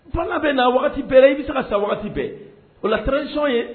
Fanga bɛ na wagati bɛɛ la ,i bi se ka sa wagati bɛɛ . O la, transition ye